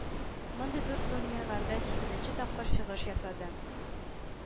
Мондый зур турнирларда сигезенче тапкыр чыгыш ясады